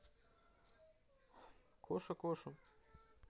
коша коша